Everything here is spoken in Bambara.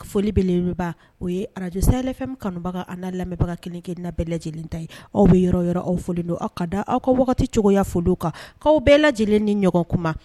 Foliolibeleba o ye araj safɛn kanubaga an lamɛnbaga kelen na bɛɛ lajɛlen ta ye aw bɛ yɔrɔ yɔrɔ aw fɔ don aw ka da aw ka wagati cogoyaya foli kan' bɛɛ lajɛlen ni ɲɔgɔn kuma